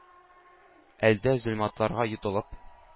Әлдә, зөлматларга йотылып,